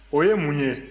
o ye mun ye